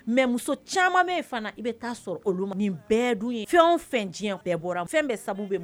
Mɛ muso caman min fana i bɛ taa sɔrɔ olu nin bɛɛ dun fɛn o fɛn diɲɛ o bɛɛ bɔra fɛn bɛ sabu bɛ